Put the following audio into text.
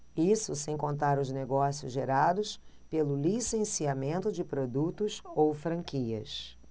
isso sem contar os negócios gerados pelo licenciamento de produtos ou franquias